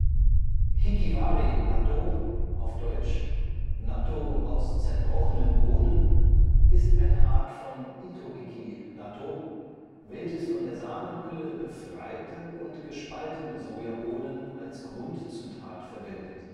Hikiwari-Nattō (挽きわり納豆, deutsch: Nattō aus zerbrochenen Bohnen) ist eine Art von Itohiki-Nattō, welches von der Samenhülle befreite und gespaltene Sojabohnen als Grundzutat verwendet